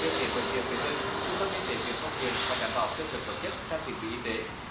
về phía bệnh viện vệ tinh trung tâm y tế huyện phong điền phải đảm bảo cơ sở vật chất trang thiết bị y tế